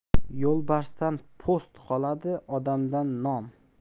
yo'lbarsdan po'st qoladi odamdan nom